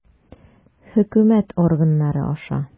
Хөкүмәт органнары аша.